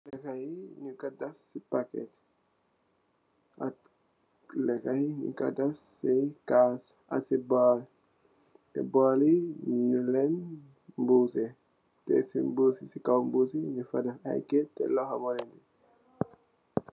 Le kayee nyung ku def ci packet. Ak lekayee nyung ku def ci kass ak bowl, ta bowl yi nyung ku mbuse, ta si kaw mbuss bi nyung def ay keyet ta luxho muko teyeh.